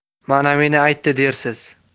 mana meni aytdi dersiz